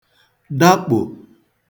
dakpo